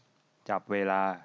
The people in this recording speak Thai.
จับเวลา